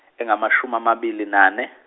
engamashumi amabili nane.